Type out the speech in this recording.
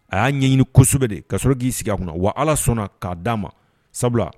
A y'a ɲɛɲini kosɛbɛ de kaasɔrɔ k'i sigi a kɔnɔ wa ala sɔnna k'a d dia ma sabula